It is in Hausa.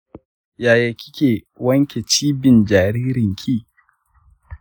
yaya kike wanke cibin jaririnki?